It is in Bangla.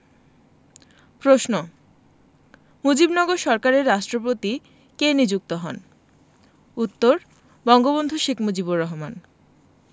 প্রশ্ন মুজিবনগর সরকারের রাষ্ট্রপতি কে নিযুক্ত হন উত্তর বঙ্গবন্ধু শেখ মুজিবুর রহমান